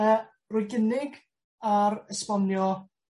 yy roi gynnig ar esbonio